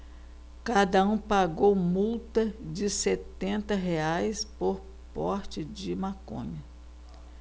cada um pagou multa de setenta reais por porte de maconha